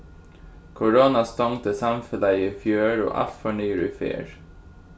korona stongdi samfelagið í fjør og alt fór niður í ferð